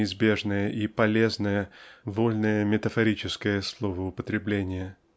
неизбежное и полезное -- вольное метафорическое словоупотребление.